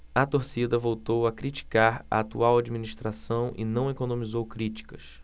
a torcida voltou a criticar a atual administração e não economizou críticas